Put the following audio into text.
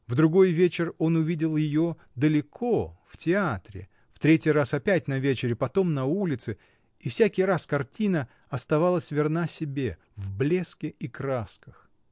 В другой вечер он увидел ее далеко, в театре, в третий раз опять на вечере, потом на улице — и всякий раз картина оставалась верна себе, в блеске и красках.